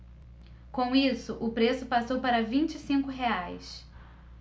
com isso o preço passou para vinte e cinco reais